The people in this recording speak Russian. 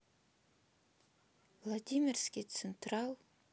владимирский централ